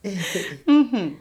Un un